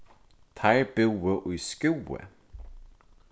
teir búðu í skúvoy